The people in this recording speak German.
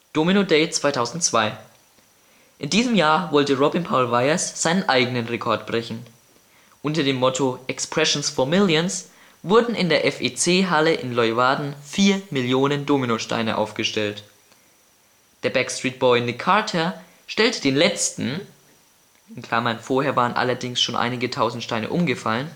Domino Day 2002 In diesem Jahr wollte Robin-Paul Weijers seinen eigenen Rekord brechen. Unter dem Motto „ Expressions 4 Millions “wurden in der FEC-Halle in Leeuwarden 4 Millionen Dominosteine aufgestellt. Der Backstreet-Boy Nick Carter stellte den letzten (vorher waren allerdings schon einige Tausend Steine umgefallen